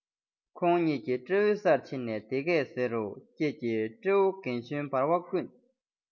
ཁོས གཉིས ཀྱི སྤྲེའུའི སར ཕྱིན ནས འདི སྐད ཟེར རོ ཀྱེ ཀྱེ སྤྲེའུ རྒན གཞོན བར བ ཀུན